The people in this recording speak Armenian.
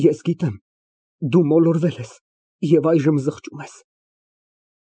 Ես գիտեմ, որ դու մոլորվել ես և այժմ զղջում ես։